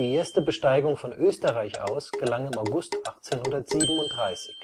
erste Besteigung von Österreich aus gelang im August 1837. Von